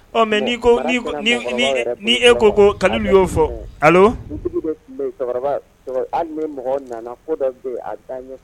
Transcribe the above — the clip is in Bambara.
Ɔ mɛ ni e ko ko kanu bɛ y'o fɔ mɔgɔ nana